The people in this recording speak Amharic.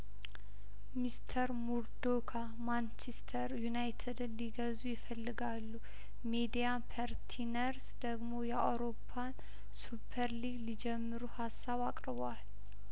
ሚስተር ሙር ዶካ ማንቸስተር ዩናይትድን ሊገዙ ይፈልጋሉ ሚዲያፐር ነርስ ደግሞ የአውሮፓን ሱፐር ሊግ ሊጀምሩ ሀሳብ አቅርበዋል